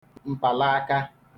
mpàlaaka